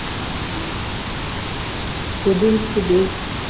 тудым суды